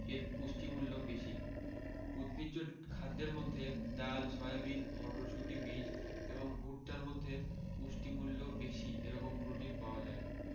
এর পুষ্টিমূল্য বেশি উদ্ভিজ্জ খাদ্যের মধ্যে ডাল সয়াবিন মটরশুটি বীজ এবং ভুট্টার মধ্যে পুষ্টিমূল্য বেশি এরকম প্রোটিন পাওয়া যায়